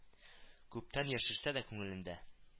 Күптән яшерсә дә күндендә